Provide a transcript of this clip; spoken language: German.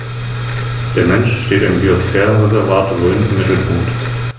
Neben den drei staatlichen Verwaltungsstellen des Biosphärenreservates gibt es für jedes Bundesland einen privaten Trägerverein.